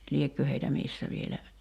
liekö heitä missä vielä